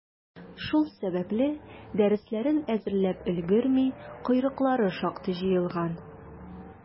Шул сәбәпле, дәресләрен әзерләп өлгерми, «койрыклары» шактый җыелган.